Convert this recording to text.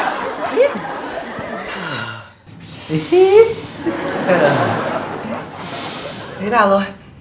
hít thở hít thở thế nào rồi